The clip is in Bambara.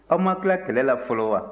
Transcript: aw ma tila kɛlɛ la fɔlɔ wa